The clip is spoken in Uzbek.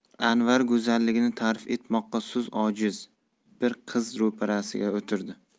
anvar go'zalligini ta'rif etmoqqa so'z ojiz bir qiz ro'parasiga o'tirdi